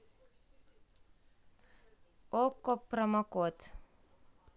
okko промокод